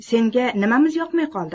senga nimamiz yoqmay qoldi